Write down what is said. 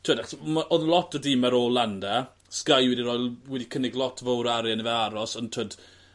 T'wod achos ma' o'dd lot o dime ar ôl Landa Sky wedi roi l- wedi cynnig lot fowr o arian i fe aros on' t'wod